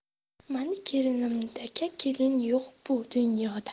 mani kelinimdaka kelin yo'q bu dunyoda